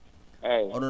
eeyi